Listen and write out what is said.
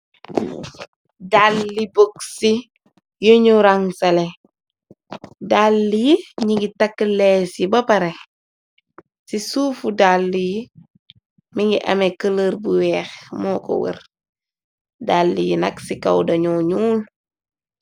Dal li bok ci yuñu rang saleh dalli yi ñyu ngi takk lees yi ba pareh ci suufu dàll yi mi ngi ameh këhler bu weex moo ko wër dalli yi nag ci kaw danyor ñuul.